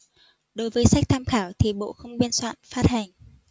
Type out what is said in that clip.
đối với sách tham khảo thì bộ không biên soạn phát hành